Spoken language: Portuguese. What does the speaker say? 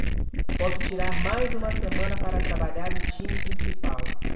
posso tirar mais uma semana para trabalhar o time principal